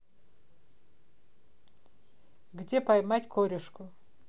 где поймать корюшку